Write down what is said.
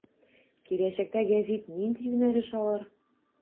Киләчәктә гәзит нинди юнәлеш алыр.